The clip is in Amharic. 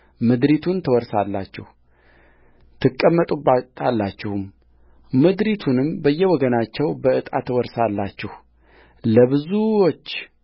ምድሪቱን ትወርሱአታላችሁ ትቀመጡባታላችሁምምድሪቱንም በየወገኖቻችሁ በዕጣ ትወርሳላችሁ ለብዙዎች